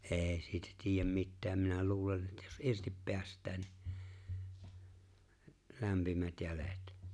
ei siitä tiedä mitään minä luulen että jos irti päästää niin lämpimät jäljet